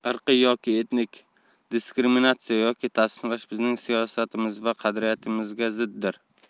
irqiy yoki etnik diskriminatsiya yoki tasniflash bizning siyosatimiz va qadriyatlarimizga ziddir